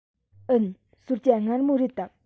འུན གསོལ ཇ མངར མོ རེད དམ